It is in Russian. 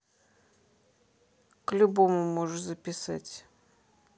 к любому можешь записать